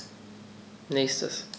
Nächstes.